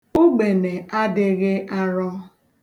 Ugbene adịghị arọ.